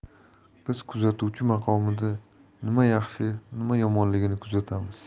biz kuzatuvchi maqomida nima yaxshi nima yomonligini kuzatamiz